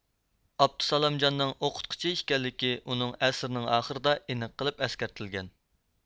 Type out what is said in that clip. ئابدۇسالامجاننىڭ ئوقۇتقۇچى ئىكەنلىكى ئۇنىڭ ئەسىرىنىڭ ئاخىرىدا ئېنىق قىلىپ ئەسكەرتىلگەن